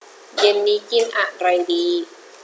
เย็นนี้กินอะไรดี